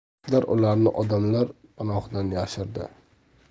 daraxtlar ularni odamlar panohidan yashirdi